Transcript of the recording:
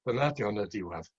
Dyna ydi o yn y diwadd.